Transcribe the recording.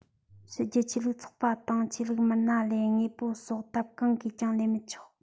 ཕྱི རྒྱལ ཆོས ལུགས ཚོགས པ དང ཆོས ལུགས མི སྣ ལས དངོས པོ སོགས ཐབས གང གིས ཀྱང ལེན མི ཆོག